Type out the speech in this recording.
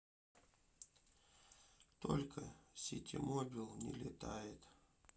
только ситимобил не летает